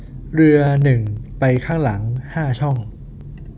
เรือหนึ่งไปข้างหลังห้าช่อง